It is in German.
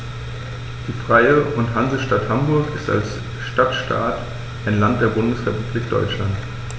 Die Freie und Hansestadt Hamburg ist als Stadtstaat ein Land der Bundesrepublik Deutschland.